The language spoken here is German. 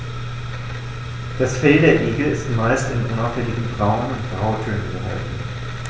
Das Fell der Igel ist meist in unauffälligen Braun- oder Grautönen gehalten.